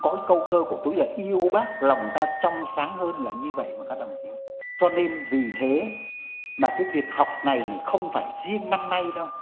có cái câu thơ của tú lệ yêu bác lòng ta trong sáng hơn là như vậy mà các đồng chí cho nên vì thế má cái việc học này không phải riêng năm nay đâu